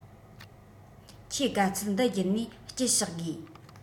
ཁྱིའི དགའ ཚལ འདི རྒྱུད ནས དཀྱིལ བཤགས དགོས